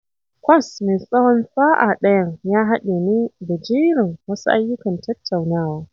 Kwas mai tsawon sa’a ɗayan ya haɗa ne da jerin wasu ayyukan tattaunawa.